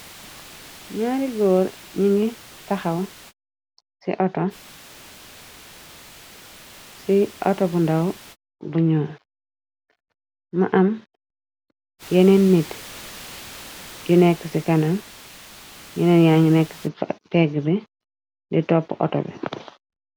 ñaari góor ñi ngi taxaw ci atobu ndaw buñuo ma am yeneen nit yu nekk ci kanam yeneen yaañu nekk ci pégg bi di topp auto bi